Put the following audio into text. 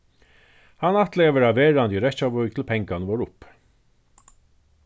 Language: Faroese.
hann ætlaði at verða verandi í reykjavík til pengarnir vóru uppi